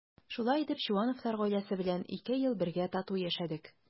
Шулай итеп Чувановлар гаиләсе белән ике ел бергә тату яшәдек.